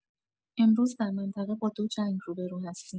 امروز در منطقه با دو جنگ روبه‌رو هستیم.